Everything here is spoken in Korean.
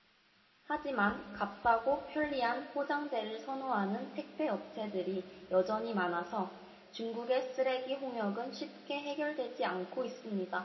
하지만 값싸고 편리한 포장재를 선호하는 택배업체들이 여전히 많아서 중국의 쓰레기 홍역은 쉽게 해결되지 않고 있습니다